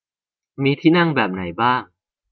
มีที่นั่งแบบไหนบ้าง